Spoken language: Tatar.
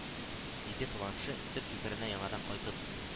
Диде планше, төп фикеренә яңадан кайтып